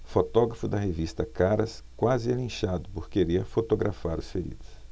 fotógrafo da revista caras quase é linchado por querer fotografar os feridos